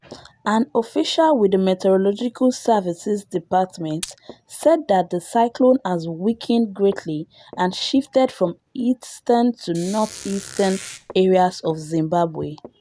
An official with the Meteorological Services Department said that the cyclone has weakened greatly and shifted from eastern to northeastern areas of Zimbabwe.